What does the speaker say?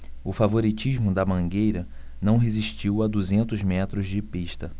o favoritismo da mangueira não resistiu a duzentos metros de pista